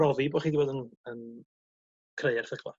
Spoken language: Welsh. profi bo' chi 'di bod yn creu erthygla